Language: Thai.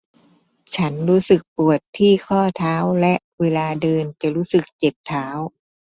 ฉันรู้สึกปวดที่ข้อเท้าและเวลาเดินจะรู้สึกเจ็บเท้า